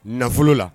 Nafolo la